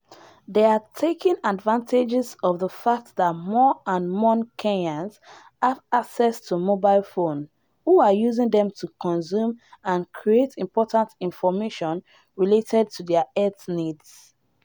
They are taking advantage of the fact that more and more Kenyans have access to mobile phones, who are using them to consume and create important information related to their health needs.